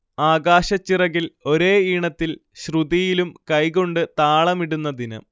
ആകാശച്ചിറകിൽ ഒരേ ഈണത്തിൽ ശ്രുതിയിലും കൈകൊണ്ട് താളമിടുന്ന ദിനം